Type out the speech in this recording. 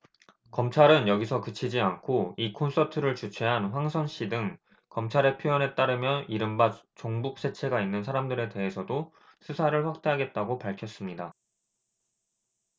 검찰은 여기서 그치지 않고 이 콘서트를 주최한 황선 씨 등 검찰의 표현에 따르면 이른바 종북 색채가 있는 사람들에 대해서도 수사를 확대하겠다고 밝혔습니다